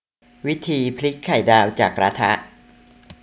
วิธีพลิกไข่ดาวจากกระทะ